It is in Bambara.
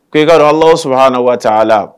K'e kalaw suana waati a la